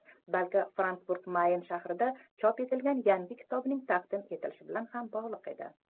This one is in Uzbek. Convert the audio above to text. balki frankfurt mayn shahrida chop etilgan yangi kitobining taqdimoti bilan ham bog'liq edi